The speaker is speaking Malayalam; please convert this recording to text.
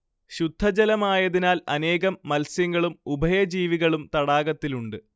ശുദ്ധജലമായതിനാൽ അനേകം മത്സ്യങ്ങളും ഉഭയ ജീവികളും തടാകത്തിലുണ്ട്